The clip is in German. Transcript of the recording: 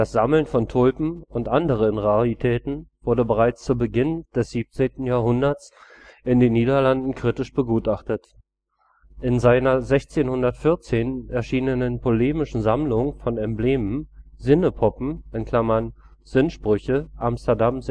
Sammeln von Tulpen und anderen Raritäten wurde bereits zu Beginn des 17. Jahrhunderts in den Niederlanden kritisch begutachtet. In seiner 1614 erschienenen polemischen Sammlung von Emblemen Sinnepoppen (‚ Sinnsprüche ‘, Amsterdam